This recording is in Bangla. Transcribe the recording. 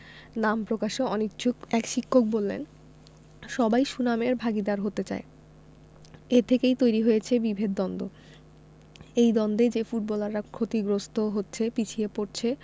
নাম প্রকাশে অনিচ্ছুক এক শিক্ষক বললেন সবাই সুনামের ভাগীদার হতে চায় এ থেকেই তৈরি হয়েছে বিভেদ দ্বন্দ্ব এই দ্বন্দ্বে যে ফুটবলাররা ক্ষতিগ্রস্ত হচ্ছে পিছিয়ে পড়ছে